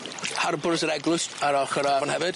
Harbwrs yr eglwys ar ochor yr afon hefyd.